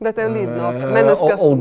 dette er jo lyden av menneske som.